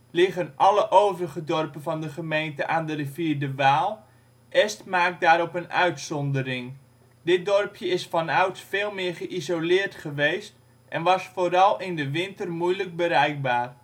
Liggen alle overige dorpen van de gemeente aan de rivier de Waal, Est maakt daarop een uitzondering. Dit dorp is vanouds veel meer geïsoleerd geweest en was vooral in de winter moeilijk bereikbaar